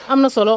am na solo